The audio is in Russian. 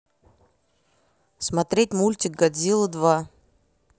смотреть мультик годзилла два